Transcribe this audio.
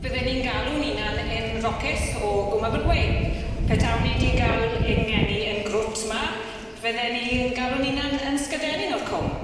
Bydden ni'n galw'n 'unan in roces o gwm Abergwein petawn i 'di ga'l yng ngeni yn grwt 'ma fydden i yn galw'n 'unan yn sgydenin o'r cwm.